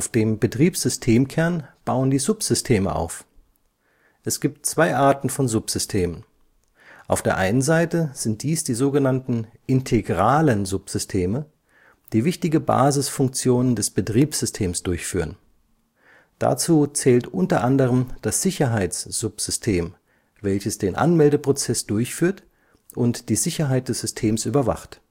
dem Betriebssystemkern bauen die Subsysteme auf. Es gibt zwei Arten von Subsystemen: auf der einen Seite sind dies die sogenannten integralen Subsysteme, die wichtige Basisfunktionen des Betriebssystems durchführen. Dazu zählt unter anderem das Sicherheitssubsystem, welches den Anmeldeprozess durchführt und die Sicherheit des Systems überwacht